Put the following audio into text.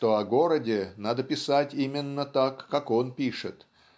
что о городе надо писать именно так как он пишет